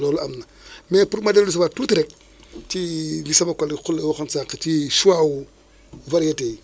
loolu am na mais pour ma dellusiwaat tuuti rek ci li sama collègue Khoulé waoon sànq ci choix wu variété yi